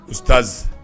Ustaz